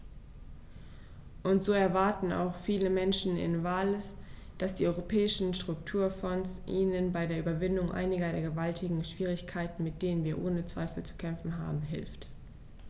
Und so erwarten auch viele Menschen in Wales, dass die Europäischen Strukturfonds ihnen bei der Überwindung einiger der gewaltigen Schwierigkeiten, mit denen wir ohne Zweifel zu kämpfen haben, hilft.